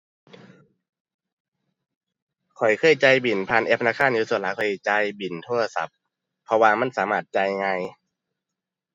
ข้อยเคยจ่ายบิลผ่านแอปธนาคารอยู่ ส่วนหลายข้อยสิจ่ายบิลโทรศัพท์ เพราะว่ามันสามารถจ่ายง่าย